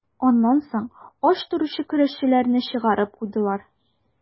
Аннан соң ач торучы көрәшчеләрне чыгарып куйдылар.